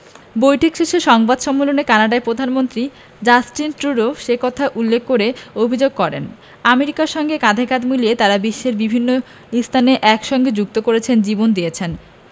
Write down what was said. আরোপের কথা ঘোষণা করেছে সেটি তার জাতীয় নিরাপত্তার স্বার্থে এ সিদ্ধান্তের কোনো পরিবর্তন হবে না কানাডা ও অন্য ইউরোপীয় অংশীদারেরা জাতীয় নিরাপত্তা র যুক্তি দেখানোয় তীব্র আপত্তি করেছিল